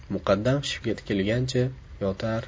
muqaddam shiftga tikilgancha yotar